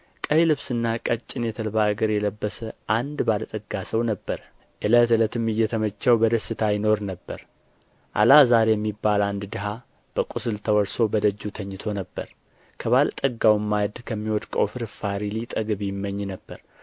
ቀይ ልብስና ቀጭን የተልባ እግር የለበሰ አንድ ባለ ጠጋ ሰው ነበረ ዕለት ዕለትም እየተመቸው በደስታ ይኖር ነበር አልዓዛርም የሚባል አንድ ድሀ በቍስል ተወርሶ በደጁ ተኝቶ ነበር ከባለ ጠጋውም ማዕድ ከሚወድቀው ፍርፋሪ ሊጠግብ ይመኝ ነበር